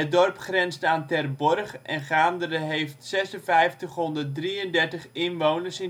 dorp grenst aan Terborg en Gaanderen heeft 5.633 inwoners